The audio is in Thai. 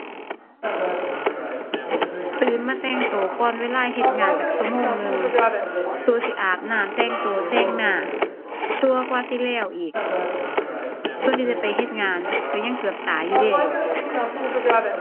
ตื่นมาแต่งตัวก่อนเวลาเฮ็ดงานจักชั่วโมงหนึ่ง ซั่วสิอาบน้ำแต่งตัวแต่งหน้า ซั่วกว่าสิแล้วอีก ซั่วสิได้ไปเฮ็ดงาน ก็ยังเกือบสายอยู่เดะ